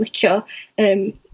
licio yym